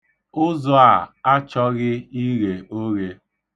Ụzọ a achọghị ighe oghe.